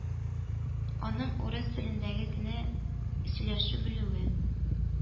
Аның урыс телендә генә сөйләшә белүе